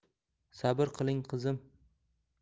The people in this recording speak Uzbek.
sabr qiling qizim